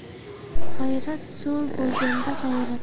g'ayrat zo'r bo'lgan da g'ayrat